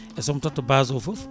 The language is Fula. e somo totta base o foof